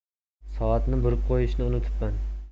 soatni burib qo'yishni unutibman